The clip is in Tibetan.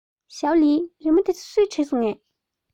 ཞོའོ ལིའི ལགས རི མོ འདི སུས བྲིས སོང ངས